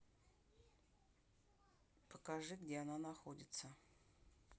покажи где она находится